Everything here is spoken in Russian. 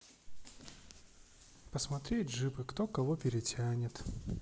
посмотреть джипы кто кого перетянет